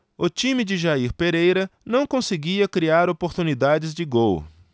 o time de jair pereira não conseguia criar oportunidades de gol